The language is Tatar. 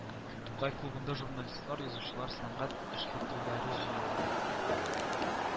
Тукай клубында журналистлар, язучылар, сәнгать эшлеклеләре җыйналган